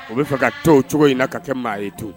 O bɛa fɛ ka to o cogo in na ka kɛ maa ye to